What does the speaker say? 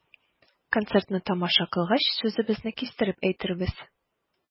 Концертны тамаша кылгач, сүзебезне кистереп әйтербез.